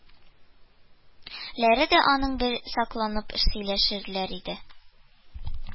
Ләре дә аның белән сакланып сөйләшәләр иде